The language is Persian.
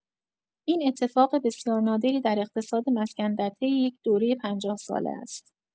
این اتفاق بسیار نادری در اقتصاد مسکن در طی یک دورۀ پنجاه‌ساله است.